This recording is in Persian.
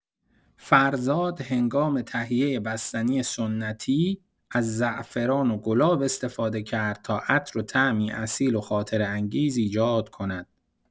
فرزاد هنگام تهیه بستنی سنتی، از زعفران و گلاب استفاده کرد تا عطر و طعمی اصیل و خاطره‌انگیز ایجاد کند.